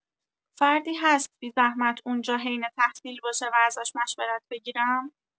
فردی هست بی‌زحمت اونجا حین تحصیل باشه و ازش مشورت بگیرم؟